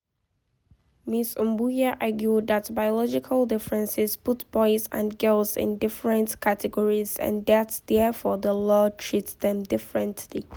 Ms. Mbuya argued that biological differences put boys and girls in "different categories" and that therefore, the law treats them differently.